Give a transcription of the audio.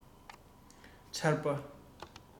ཆར པ